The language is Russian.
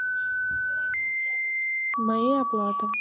мои оплаты